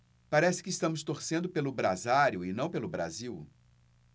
parece que estamos torcendo pelo brasário e não pelo brasil